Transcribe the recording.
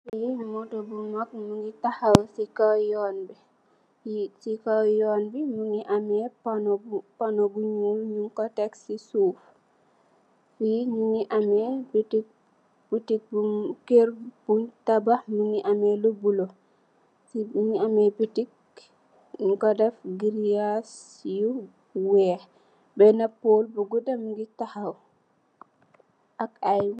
Li moto bu maag mogi taxaw is kaw yuun bi si kaw yuun bi mogi ameh porno bo porno bo nuul nyun ko teck si suuf fi mogi ameh boutique boutique bu keur bung tabax mogi ameh lu bulo mogi ameh boutique nyun ko deff geryass yu weex bena pole bu guda mogi taxaw ak ay